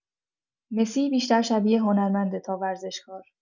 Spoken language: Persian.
مسی بیشتر شبیه هنرمنده تا ورزشکار.